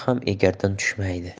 ham egardan tushmaydi